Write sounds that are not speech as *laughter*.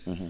*hesitation* *hesitation*